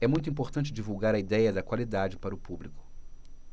é muito importante divulgar a idéia da qualidade para o público